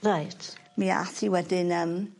Reit. Mi ath 'i wedyn yym